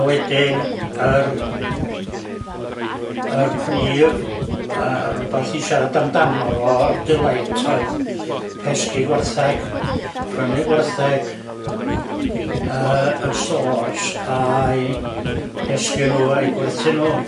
A wedyn yr yr prif yy rwbath i siarad amdano fo y delight oedd pesgi gwerthag prynu gwerthag yy yn stores a'u pesgio n'w a'u gwerthu n'w.